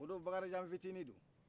o don bakarijan fitini don